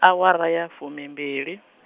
awara ya fumimbili.